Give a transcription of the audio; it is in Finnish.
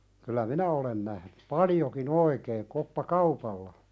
kyllä minä olen nähnyt paljonkin oikein koppakaupalla